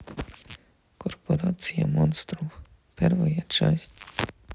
корпорация монстров первая часть